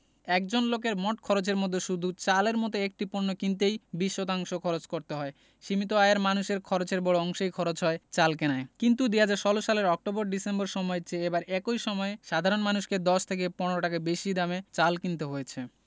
একজন লোকের মোট খরচের মধ্যে শুধু চালের মতো একটি পণ্য কিনতেই ২০ শতাংশ খরচ করতে হয় সীমিত আয়ের মানুষের খরচের বড় অংশই খরচ হয় চাল কেনায় কিন্তু ২০১৬ সালের অক্টোবর ডিসেম্বর সময়ের চেয়ে এবার একই সময়ে সাধারণ মানুষকে ১০ থেকে ১৫ টাকা বেশি দামে চাল কিনতে হয়েছে